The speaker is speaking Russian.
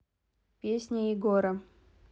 песня егора